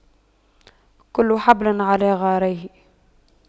كل حبل على غاربه